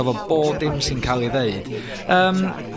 efo bob dim sy'n ca'l 'i ddeud. Yym.